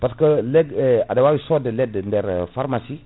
par ce que leɗɗe aɗa wawi sodde leɗɗe nder pharmacie